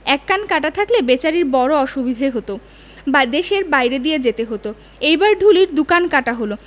এক কান কাটা থাকলে বেচারির বড়ো অসুবিধা হতদেশের বাইরে দিয়ে যেতে হত এইবার ঢুলির দু কান কাটা হল